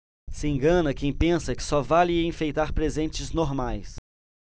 se engana quem pensa que só vale enfeitar presentes normais